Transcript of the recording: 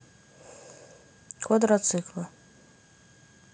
квадроциклы